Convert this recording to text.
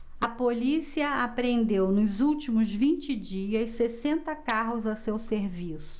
a polícia apreendeu nos últimos vinte dias sessenta carros a seu serviço